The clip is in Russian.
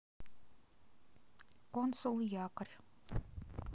консул якорь